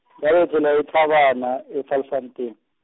ngabelethelwa eThabana e- Vasfontein.